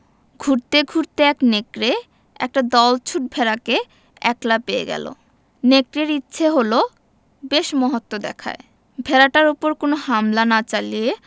ঘুরতে ঘুরতে এক নেকড়ে একটা দলছুট ভেড়াকে একলা পেয়ে গেল নেকড়ের ইচ্ছে হল বেশ মহত্ব দেখায় ভেড়াটার উপর কোন হামলা না চালিয়ে